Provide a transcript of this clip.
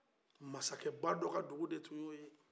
masakɛba dɔ de ka dugu de tun ye o ye